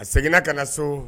A seginna ka na so